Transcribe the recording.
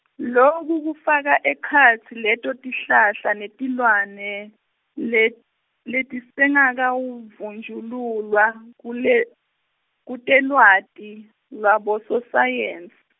loku kufaka ekhatsi leto tihlahla netilwane, le- letisengakavunjululwa, kule, kutelwati, lwabososayensi.